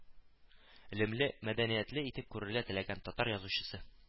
Лемле, мәдәниятле итеп күрергә теләгән татар язучысы